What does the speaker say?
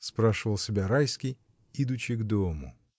— спрашивал себя Райский, идучи к дому.